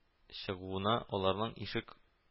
Чыгуына, аларның ишек